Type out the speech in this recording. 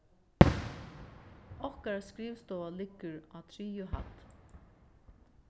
okkara skrivstova liggur á triðju hædd